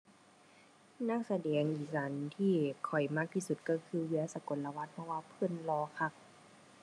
นักแสดงอีสานที่ข้อยมักที่สุดก็คือ เวียร์ ศุกลวัฒน์ เพราะว่าเพิ่นหล่อคัก